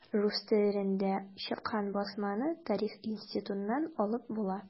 Рус телендә чыккан басманы Тарих институтыннан алып була.